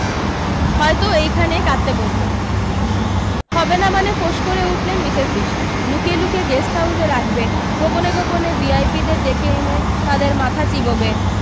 হয়তো এইখানেই কাঁদতে বসবেন হবে না মানে ফোঁস করে উঠলেন মিসেস বিশ্বাস লুকিয়ে লুকিয়ে গেষ্ট হাউসে রাখবে গোপনে গোপনে ভিআইপিদের ডেকে এনে তাদের মাথা চিবোবে